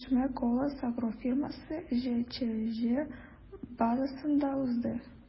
Киңәшмә “Колос” агрофирмасы” ҖЧҖ базасында узды.